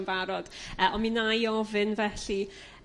Yn barod yrr on' mi 'na' i ofyn felly